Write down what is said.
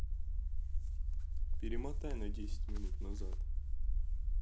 перемотай на десять минут назад